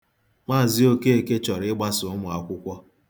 Mz. Okeke chọrọ ịgbasa ụmụakwụkwọ.